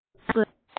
རྒྱག དགོས ན